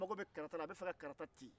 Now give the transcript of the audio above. k'a b'a fɛ ka karata ci